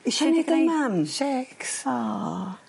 Isio neud o i mam. ...shêcs. O.